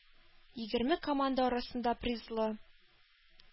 Егерме команда арасында призлы